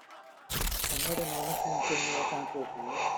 ฉันไม่ได้นอนทั้งคืนจนมีอาการปวดหัว